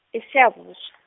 eSiyabus- .